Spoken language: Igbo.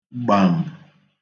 gbàm